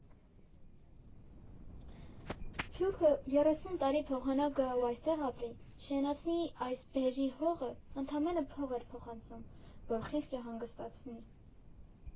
Սփյուռքը երեսուն տարի փոխանակ գա ու այստեղ ապրի, շենացնի այս բերրի հողը, ընդամենը փող էր փոխանցում, որ խիղճը հանգստացնի։